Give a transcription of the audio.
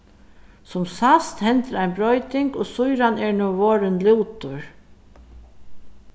sum sæst hendir ein broyting og sýran er nú vorðin lútur